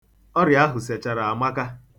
Ọrịa ahụ sechara Amaka.